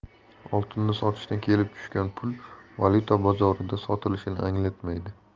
oltinni sotishdan kelib tushgan pul valyuta bozorida sotilishini anglatmaydi